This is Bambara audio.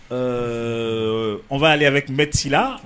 Euhh on va aller avec Mɛd Sila